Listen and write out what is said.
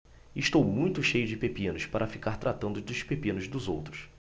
estou muito cheio de pepinos para ficar tratando dos pepinos dos outros